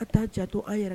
A taa cato a yɛrɛ